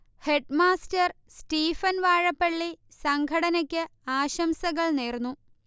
headmaster Stephen Vazhappally സംഘടനയ്ക്ക് ആശംസകൾ നേർന്നു